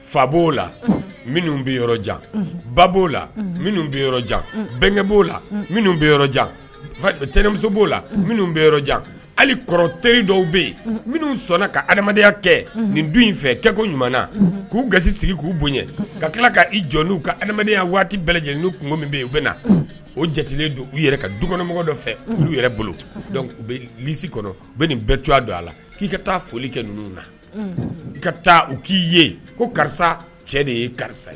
Fa b'o la minnu bɛ yɔrɔjan ba b'o la minnu bɛ yɔrɔ jan bɛnkɛ b'o la minnu bɛ yɔrɔ jan tɛnɛnmuso b'o la minnu bɛ yɔrɔ jan hali kɔrɔ teri dɔw bɛ yen minnu sɔnna ka adamadenyaya kɛ nin du in fɛ kɛ ko ɲuman k'u gasi sigi k'u bonya ka tila ka i jɔ jɔn'u ka adamadenyaya waati bɛɛ lajɛlen'u kun min bɛ yen u bɛ na o jatigilen don u yɛrɛ ka dukɔnɔmɔgɔ dɔ k''u yɛrɛ bolo u bɛ lisi kɔnɔ u bɛ nin bɛɛ cogoya don a la k'i ka taa foli kɛ ninnu na i ka taa u k'i ye ko karisa cɛ de ye karisa ye